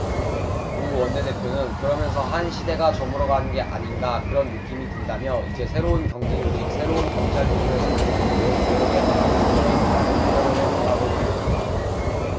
우 원내대표는 그러면서 한 시대가 저물어가는 게 아닌가 그런 느낌이 든다며 이제 새로운 경제조직 새로운 검찰조직을 만들기 위해 개혁의 바람이 불어야한다는 생각을 해 본다고 밝혔다